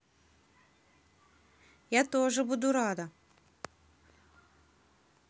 я тоже буду рада